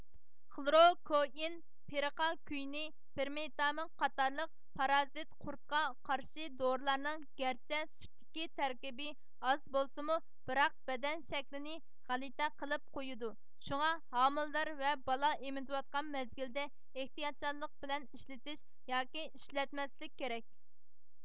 خلوروكۇئىن پرىقا كۇينى پرىمېتامىن قاتارلىق پارازىت قۇرتقا قارشى دورىلارنىڭ گەرچە سۈتتىكى تەركىبى ئاز بولسىمۇ بىراق بەدەن شەكلىنى غەلىتە قىلىپ قويىدۇ شۇڭا ھامىلىدار ۋە بالا ئېمىتىۋاتقان مەزگىلدە ئېھتىياتچانلىق بىلەن ئىشلىتىلىش ياكى ئىشلەتمەسلىك كېرەك